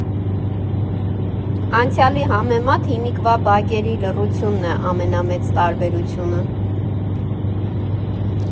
Անցյալի համեմատ հիմիկվա բակերի լռությունն է ամենամեծ տարբերությունը։